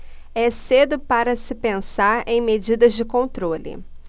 é cedo para se pensar em medidas de controle